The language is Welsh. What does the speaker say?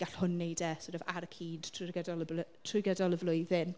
Gall hwn wneud e sort of ar y cyd trwy'r gydol y bl- trwy gydol y flwyddyn.